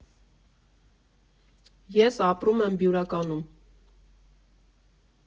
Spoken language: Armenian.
Ես ապրում եմ Բյուրականում։